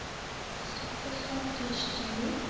soppa sog' deyishdi ku